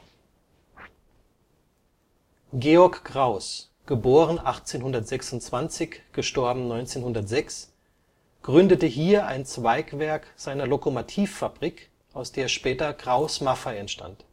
Georg Krauss (1826 – 1906) gründete hier ein Zweigwerk seiner Lokomotivfabrik, aus der später Krauss-Maffei entstand